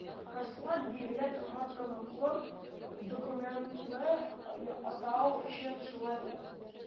Раслап бирелә торган таныклык, документ»ны атау өчен, шулай ук,